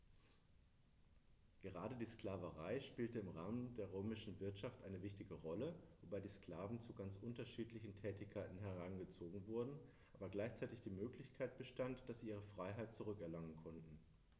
Gerade die Sklaverei spielte im Rahmen der römischen Wirtschaft eine wichtige Rolle, wobei die Sklaven zu ganz unterschiedlichen Tätigkeiten herangezogen wurden, aber gleichzeitig die Möglichkeit bestand, dass sie ihre Freiheit zurück erlangen konnten.